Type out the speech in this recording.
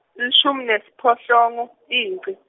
tilishumi nesiphohlongo, iNgci.